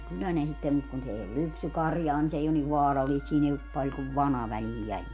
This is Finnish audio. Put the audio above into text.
kyllä ne sitten mutta kun se ei ole lypsykarjaa niin se ei ole niin vaarallista siinä ei ole paljon kuin vana väliin jäljellä